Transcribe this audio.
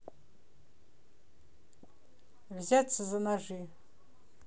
взяться за ножи